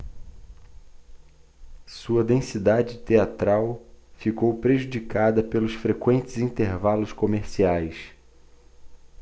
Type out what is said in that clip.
sua densidade teatral ficou prejudicada pelos frequentes intervalos comerciais